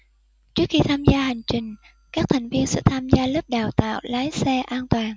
trước khi tham gia hành trình các thành viên sẽ tham gia lớp đào tạo lái xe an toàn